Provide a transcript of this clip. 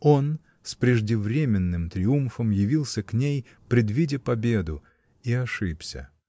Он, с преждевременным триумфом, явился к ней, предвидя победу, и ошибся.